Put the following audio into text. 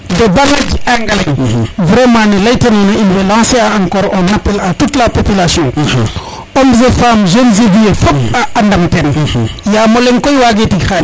vraiment ne leyta nono in inway lancer a encore un appel a toute la population homme et femmes jeunes et vieux fop a ndam ten yamo leŋ koy wage tig Khadim